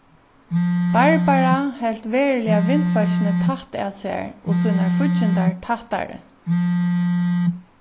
barbara helt veruliga vinfólkini tætt at sær og sínar fíggindar tættari